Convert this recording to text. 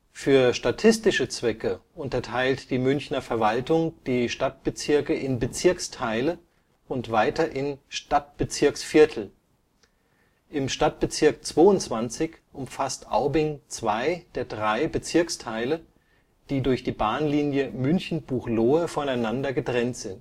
Für statistische Zwecke unterteilt die Münchner Verwaltung die Stadtbezirke in Bezirksteile und weiter in Stadtbezirksviertel. Im Stadtbezirk 22 umfasst Aubing zwei der drei Bezirksteile, die durch die Bahnlinie München – Buchloe voneinander getrennt